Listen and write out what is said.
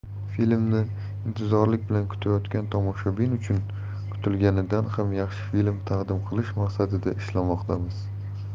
filmni intizorlik bilan kutayotgan tamoshabin uchun kutilganidan ham yaxshi film taqdim qilish maqsadida ishlamoqdamiz